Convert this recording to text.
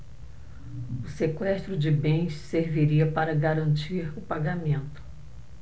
o sequestro de bens serviria para garantir o pagamento